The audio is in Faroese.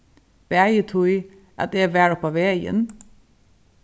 bæði tí at eg var upp á vegin